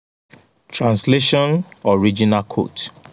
Translation Original Quote